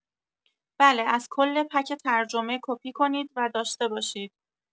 بله از کل پک ترجمه، کپی کنید و داشته باشید.